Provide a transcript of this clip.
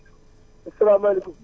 asalaamaaleykum